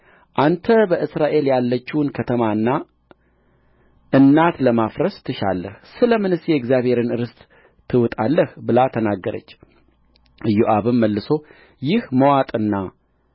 አንተ በእስራኤል ያለችውን ከተማና እናት ለማፍረስ ትሻለህ ስለ ምንስ የእግዚአብሔርን ርስት ትውጣለህ ብላ ተናገረች ኢዮአብም መልሶ ይህ መዋጥና